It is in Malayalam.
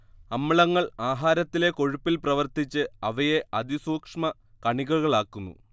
അമ്ലങ്ങൾ ആഹാരത്തിലെ കൊഴുപ്പിൽ പ്രവർത്തിച്ച് അവയെ അതിസൂക്ഷ്മകണികകളാക്കുന്നു